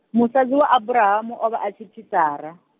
musadzi wa Aburahamu o vha a tshi pfi Sara.